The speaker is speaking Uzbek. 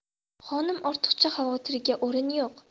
xonim ortiqcha xavotirga o'rin yo'q